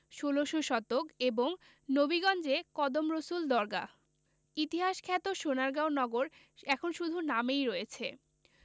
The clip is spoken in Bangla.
১৬শ শতক এবং নবীগঞ্জে কদম রসুল দরগাহ ইতিহাসখ্যাত সোনারগাঁও নগর এখন শুধু নামেই রয়েছে